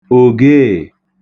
ògeè